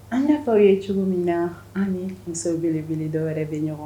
An fɔw ye cogo min na an muso belebele dɔw yɛrɛ bɛ ɲɔgɔn